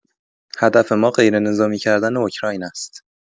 هدف ما غیرنظامی کردن اوکراین است.